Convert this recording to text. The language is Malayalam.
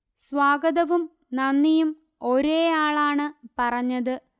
സ്വാഗതവും നന്ദിയും ഒരേയാളാണ് പറഞ്ഞത്